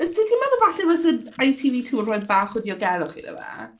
Fyse ti'n meddwl falle fyse ITV2 yn rhoi'n bach o diogelwch iddo fe?